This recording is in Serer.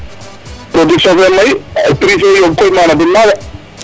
Production fe may prix fe yooɓ koy ma na den naaga.